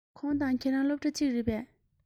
ཁོང དང ཁྱོད རང སློབ གྲྭ གཅིག རེད པས